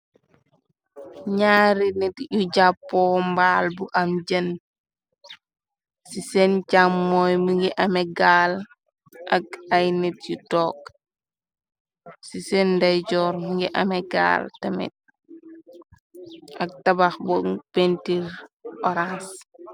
Njaari nit yu jappoh mbaal bu am jen, ci sehn chaamongh mungi ameh gaal ak ay nit yu tok, ci sehn ndeyjorr mungi ameh gaal tamit ak tabakh bu pentir ohranse.